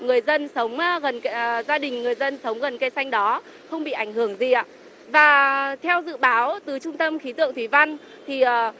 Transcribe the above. người dân sống á gần à gia đình người dân sống gần cây xanh đó không bị ảnh hưởng gì ạ và theo dự báo từ trung tâm khí tượng thủy văn thì ờ